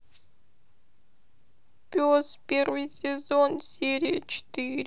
пес первый сезон серия четыре